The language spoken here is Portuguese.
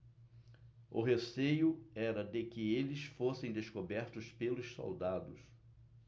o receio era de que eles fossem descobertos pelos soldados